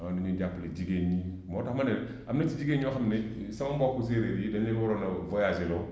waaw ni muy jàppalee jigéen ñi moo tax ma ne am na ci jigéen ñoo xam ne sama mbokku séeréer yi dañu leen waroon a voyagé loo